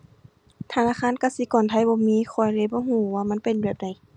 ธนาคารกสิกรไทยบ่มี ข้อยเลยบ่รู้ว่ามันเป็นแบบใด